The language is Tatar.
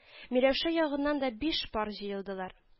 Миләүшә ягыннан да биш пар җыелдылар